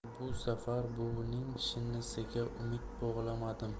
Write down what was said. bu safar buvining shinnisiga umid bog'lamadim